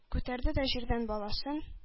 Күтәрде дә җирдән баласын,